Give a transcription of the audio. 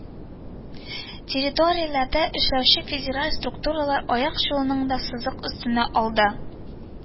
Территорияләрдә эшләүче федераль структуралар аяк чалуын да сызык өстенә алды